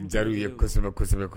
O diyar'u ye kosɛbɛ kossɛbɛ!